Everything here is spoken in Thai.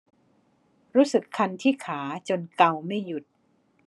รู้สึกคันที่ขาจนเกาไม่หยุด